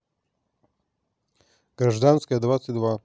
гжатская двадцать два